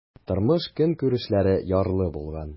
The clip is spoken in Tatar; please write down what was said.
Тормыш-көнкүрешләре ярлы булган.